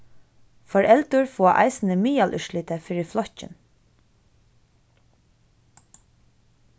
foreldur fáa eisini miðalúrslitið fyri flokkin